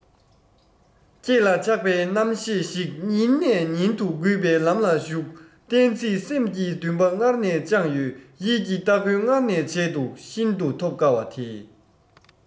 ཁྱེད ལ ཆགས པའི རྣམ ཤེས ཤིག ཉིན ནས ཉིན དུ རྒུད པའི ལམ ལ ཞུགས གཏན ཚིགས སེམས ཀྱི འདུན པ སྔར ནས བཅངས ཡོད ཡིད ཀྱི སྟ གོན སྔར ནས བྱས འདུག ཤིན ཏུ ཐོབ དཀའ བ དེ